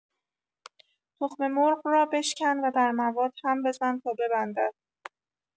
تخم‌مرغ را بشکن و در مواد هم بزن تا ببندد.